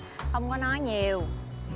không có nói nhiều